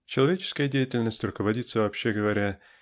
Человеческая деятельность руководится вообще говоря